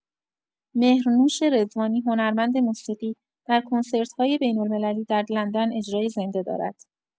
مهرنوش رضوانی، هنرمند موسیقی، در کنسرت‌های بین‌المللی در لندن اجرای زنده دارد.